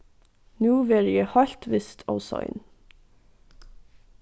nú verði eg heilt vist ov sein